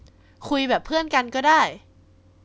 คุยแบบเพื่อนกันก็ได้